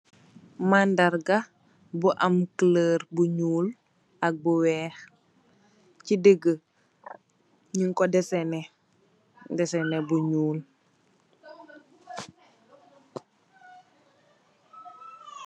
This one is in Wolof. Mandarga bu am kuloor bu ñuul ak bu weeh chi digg nung ko dèsènè, dèsènè bu ñuul.